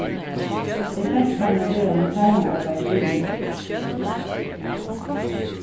eg fekk hann at gera mítt heimaarbeiði fyri meg